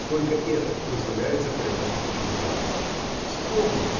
только это и позволяется порядочному человеку. Вспомни